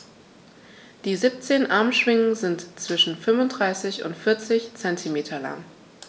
Die 17 Armschwingen sind zwischen 35 und 40 cm lang.